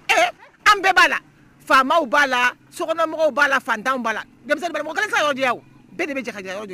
An bɛɛ b'a la faamaw b'a la sokɔnɔmɔgɔw b' la fantan b'a ka diya bɛɛ de bɛ